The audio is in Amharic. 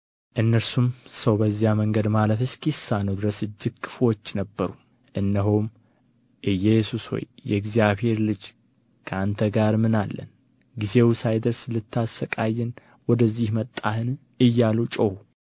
እነርሱም ሰው በዚያ መንገድ ማለፍ እስኪሳነው ድረስ እጅግ ክፉዎች ነበሩ እነሆም ኢየሱስ ሆይ የእግዚአብሔር ልጅ ከአንተ ጋር ምን አለን ጊዜው ሳይደርስ ልትሣቅየን ወደዚህ መጣህን እያሉ ጮኹ